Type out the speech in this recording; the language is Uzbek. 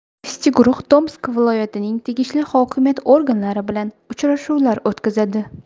ishchi guruh tomsk viloyatining tegishli hokimiyat organlari bilan uchrashuvlar o'tkazadi